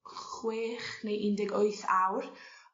chwech neu un deg wyth awr.